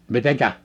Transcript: miten